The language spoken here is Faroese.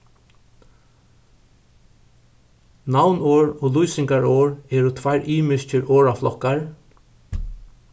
navnorð og lýsingarorð eru tveir ymiskir orðaflokkar